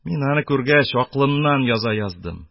Мин, аны күргәч, акылымнан яза яздым.